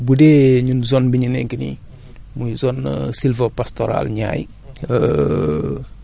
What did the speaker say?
ci loolu noonu bu dee ñun zone bi ñu nekk nii muy zone sylvopastorale Niayes